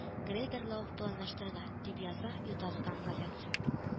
Грейдерлау планлаштырыла, дип яза “ютазы таңы” газетасы